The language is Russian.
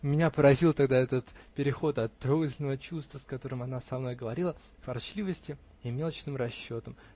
Меня поразил тогда этот переход от трогательного чувства, с которым она со мной говорила, к ворчливости и мелочным расчетам.